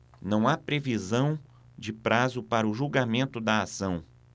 não há previsão de prazo para o julgamento da ação